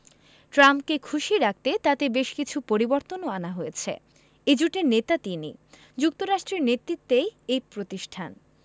ট্রাম্পকে খুশি রাখতে তাতে বেশ কিছু পরিবর্তনও আনা হয়েছে এই জোটের নেতা তিনি যুক্তরাষ্ট্রের নেতৃত্বেই এর প্রতিষ্ঠা